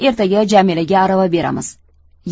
ertaga jamilaga arava beramiz